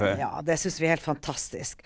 ja det synes vi er heilt fantastisk.